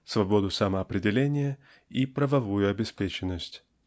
свободу самоопределения и правовую обеспеченность.